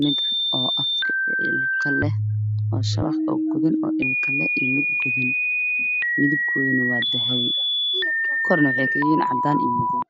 leh oo ilko leh oo godan, midabkoodu waa dahabi, korna waxay kayihiin cadaan iyo madow.